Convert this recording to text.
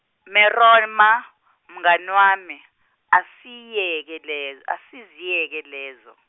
Meroma mngani wami asiyeke- asiziyeke.